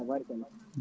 tabarikalla